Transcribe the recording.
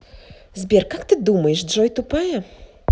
сбер как ты думаешь джой тупая